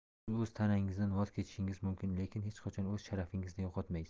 siz o'z tanangizdan voz kechishingiz mumkin lekin hech qachon o'z sharafingizni yo'qotmaysiz